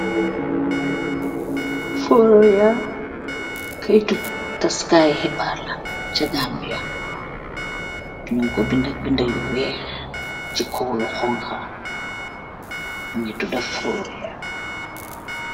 Fohroya, keitu tass kaii khibarr la chi Gambia, njung kor binda binda yu wekh chi kaw lu honha, mungy tuda fohruya.